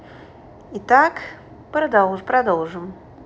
итак продолжим